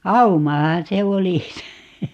aumahan se oli se